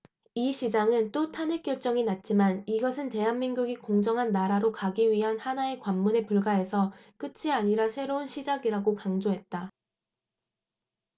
이 시장은 또 탄핵 결정이 났지만 이것은 대한민국이 공정한 나라로 가기 위한 하나의 관문에 불과해서 끝이 아니라 새로운 시작이라고 강조했다